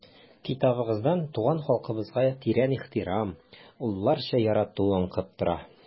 Китабыгыздан туган халкыбызга тирән ихтирам, улларча ярату аңкып тора.